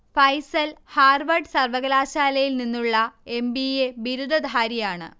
Faisal Harvard സർവകലാശാലയിൽ നിന്നുള്ള M. B. A. ബിരുദധാരിയാണ്